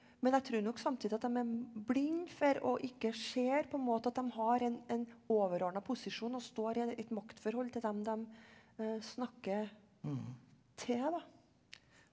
men jeg tror nok samtidig at dem er blind for og ikke ser på en måte at dem har en en overordna posisjon og står i et maktforhold til dem dem snakker til da.